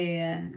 Ie.